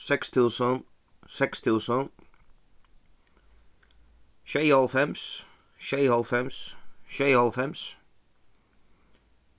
seks túsund seks túsund sjeyoghálvfems sjeyoghálvfems sjeyoghálvfems